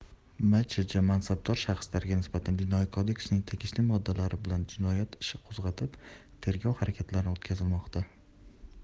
mchj mansabdor shaxslariga nisbatan jinoyat kodeksining tegishli moddalari bilan jinoyat ishi qo'zg'atilib tergov harakatlari o'tkazilmoqda